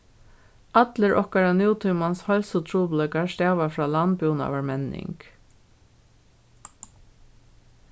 allir okkara nútímans heilsutrupulleikar stava frá landbúnaðarmenning